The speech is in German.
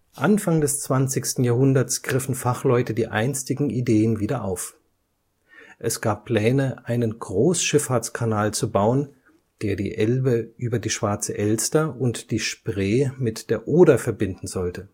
Anfang des 20. Jahrhunderts griffen Fachleute die einstigen Ideen wieder auf. Es gab Pläne, einen Großschifffahrtskanal zu bauen, der die Elbe über die Schwarze Elster und die Spree mit der Oder verbinden sollte